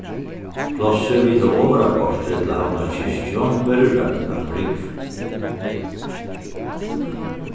plássið við tað ovara portrið til havnar kirkju verður rópt á brúgv